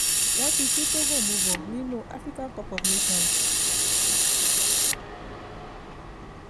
Wọ́n ti tún Togo mú bọ inú African Cup of Nations.